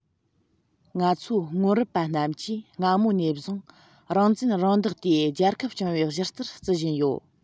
ང ཚོའི སྔོན རབས པ རྣམས ཀྱིས སྔ མོ ནས བཟུང རང བཙན རང བདག དེ རྒྱལ ཁབ སྐྱོང བའི གཞི རྩར བརྩི བཞིན ཡོད